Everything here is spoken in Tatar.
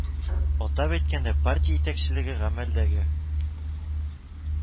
Атап әйткәндә, партия итәкчелеге гамәлдәге